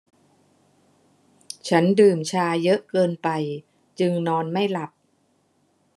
ฉันดื่มชาเยอะเกินไปจึงนอนไม่หลับ